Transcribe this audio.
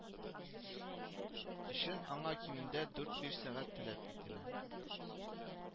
Өчен аңа кимендә дүрт-биш сәгать таләп ителә